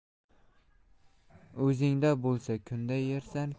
o'zingda bo'lsa kunda yersan